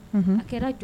A kɛra jɔ